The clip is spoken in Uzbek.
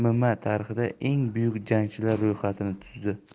eng buyuk jangchilar ro'yxatini tuzdi